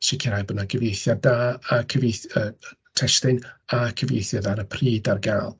Sicrhau bod 'na gyfieithiad da, a cyfieith- yy testun, a cyfieithu da ar y pryd ar gael.